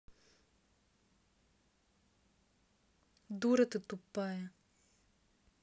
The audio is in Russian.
дура ты тупая